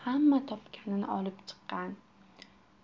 hamma topganini olib chiqqan